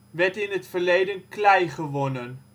werd in het verleden klei gewonnen